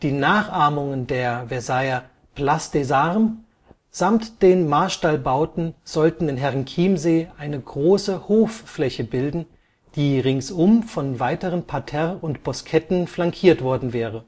Nachahmungen der Versailler Place des Armes samt den Marstallbauten sollten in Herrenchiemsee eine große Hoffläche bilden, die ringsum von weiteren Parterres und Bosketten flankiert worden wäre